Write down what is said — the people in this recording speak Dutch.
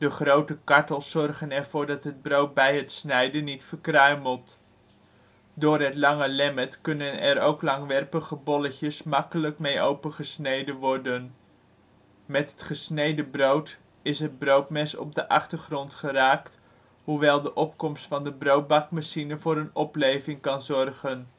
grote kartels zorgen ervoor dat het brood bij het snijden niet verkruimelt. Door het lange lemmet kunnen er ook langwerpige bolletjes makkelijk mee opengesneden worden. Met het gesneden brood is het broodmes op de achtergrond geraakt, hoewel de opkomst van de broodbakmachine voor een opleving kan zorgen